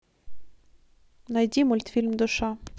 найди мультфильм душа